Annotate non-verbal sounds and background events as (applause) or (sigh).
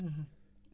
(hesitation) (hesitation)